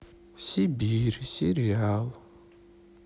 сибирь сериал